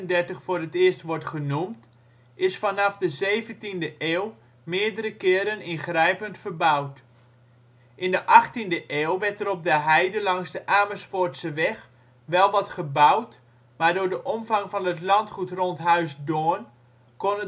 1435 voor het eerst wordt genoemd, is vanaf de 17e eeuw meerdere keren ingrijpend verbouwd. In de 18e eeuw werd er op de heide langs de Amersfoortseweg wel wat gebouwd, maar door de omvang van het landgoed rond Huis Doorn kon